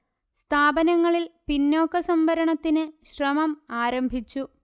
സ്ഥാപനങ്ങളിൽ പിന്നോക്ക സംവരണത്തിന് ശ്രമം ആരംഭിച്ചു